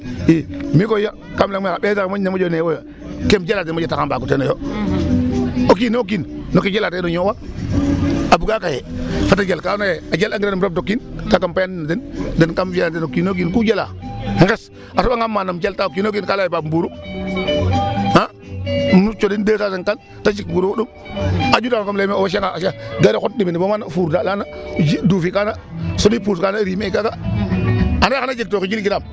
II mi' koy kaam lay me xa ɓees axe moƴna moƴo newooyo keem jalaa den moƴata mbaag o tenoyo. O kiin o kiin no ke o jalaa ten o ñoowa a buga a kaye fat a jal ka andoona yee a jalangiran um rabdo kiin kaaga payaa na den den kaam fi'an a den o kiin o kiin ku o jala nqes a soɓangqam mana um jalta o kiin o kiin ka lqya ye Bab mburu um sut cooɗin deux cent cinquante te jek mburu a ƴutanga koy mais o wacanga aca gari xot ndeer mene fo mana fuur daaɗ lana, duufi kana, soɗi puus kana, rime'i kana, ndaa xan a jeg to xijilkiraam.